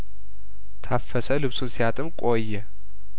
ታፈሰ ልብሱን ሲያጥብ ቆየ